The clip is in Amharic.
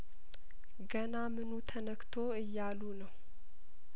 ገናምኑ ተነክቶ እያሉ ነው